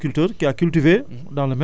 pour la prochaine campagne ah